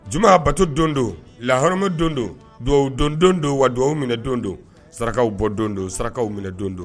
Juma bato don don laharma don don don don don don wadon minɛ don don sarakakaww bɔ don don sarakakaww minɛ don don